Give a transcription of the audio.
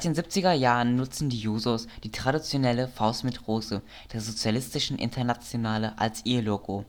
siebziger Jahren nutzen die Jusos die traditionelle „ Faust mit Rose “der Sozialistischen Internationale als ihr Logo.